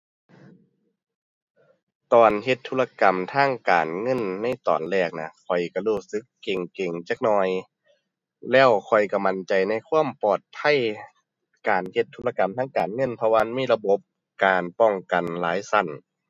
ตอนเฮ็ดธุรกรรมทางการเงินในตอนแรกน่ะ ข้อยก็รู้สึกเกร็งเกร็งจักหน่อย แล้วข้อยก็มั่นใจในความปลอดภัยการเฮ็ดธุรกรรมทางการเงิน เพราะว่ามันมีระบบการป้องกันหลายก็